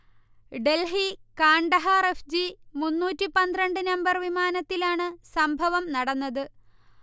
Delhi-Kandahar F. G. മുന്നൂറ്റി പന്ത്രണ്ട് number വിമാനത്തിലാണ് സംഭവം നടന്നത്